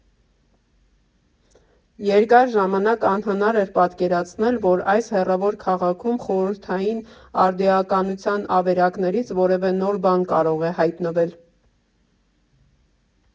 Երկար ժամանակ անհնար էր պատկերացնել, որ այս հեռավոր քաղաքում խորհրդային արդիականության ավերակներից որևէ նոր բան կարող է հայտնվել։